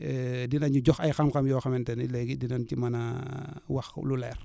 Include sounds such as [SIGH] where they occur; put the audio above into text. [HESITATION] dina ñu jox ay xam-xam yoo xamante ne léegi dinañ ci mën a [HESITATION] wax lu leer